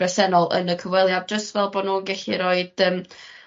bresennol yn y cyfweliad jyst fel bo' nw'n gellu roid yym